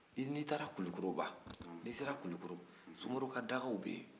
n'i taara kulukɔrɔba n'i sera kulukoro sumaworo ka dagaw bɛ yen